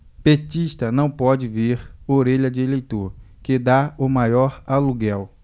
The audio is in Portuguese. petista não pode ver orelha de eleitor que tá o maior aluguel